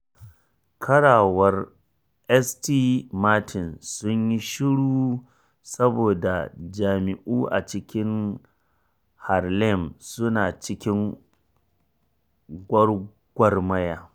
Ƙararrawar St. Martin's Sun yi Shiru Saboda Majami’u a cikin Harlem suna cikin Gwargwarmaya